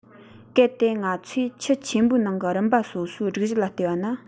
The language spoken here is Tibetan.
གལ ཏེ ང ཚོས ཁྱུ ཆེན པོའི ནང གི རིམ པ སོ སོའི སྒྲིག གཞི ལ བལྟས པ ན